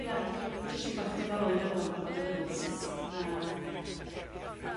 Ia dw- jyst rh'wbath diddorol i feddwol amdano fo dwi meddwl sut ma' .